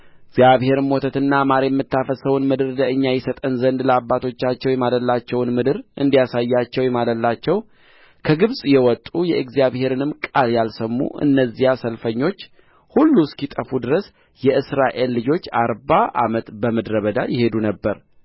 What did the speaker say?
እግዚአብሔርም ወተትና ማር የምታፈስሰውን ምድር ለእኛ ይሰጠን ዘንድ ለአባቶቻቸው የማለላቸውን ምድር እንዳያሳያቸው የማለላቸው ከግብፅ የወጡ የእግዚአብሔርንም ቃል ያልሰሙ እነዚያ ሰልፈኞች ሁሉ እስኪጠፉ ድረስ የእስራኤል ልጆች አርባ ዓመት በምድረ በዳ ይሄዱ ነበር